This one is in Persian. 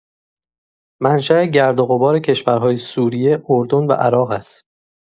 منشاء گرد و غبار کشورهای سوریه، اردن و عراق است.